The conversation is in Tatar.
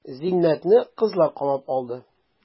Зиннәтне кызлар камап алды.